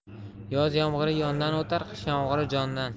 yoz yomg'iri yondan o'tar qish yomg'iri jondan